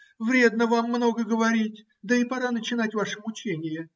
вредно вам много говорить, да и пора начинать ваше мучение.